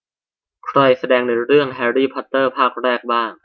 ใครแสดงในเรื่องแฮรี่พอตเตอร์ภาคแรกบ้าง